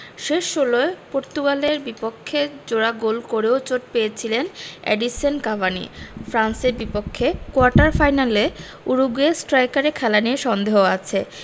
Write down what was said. শেষ ষোলোয় পর্তুগালের বিপক্ষে জোড়া গোল করলেও চোট পেয়েছিলেন এডিনসন কাভানি ফ্রান্সের বিপক্ষে কোয়ার্টার ফাইনালে উরুগুয়ে স্ট্রাইকারের খেলা নিয়ে সন্দেহ আছে